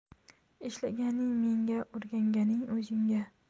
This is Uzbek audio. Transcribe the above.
ishlaganing menga o'rganganing o'zingga